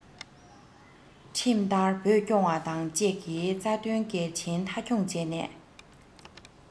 ཁྲིམས ལྟར བོད སྐྱོང བ དང བཅས ཀྱི རྩ དོན གལ ཆེན མཐའ འཁྱོངས བྱས ནས